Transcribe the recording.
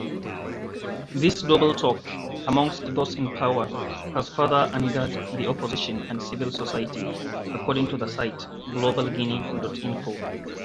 This double talk amongst those in power has further angered the opposition and civil society, according to the site globalguinee.info: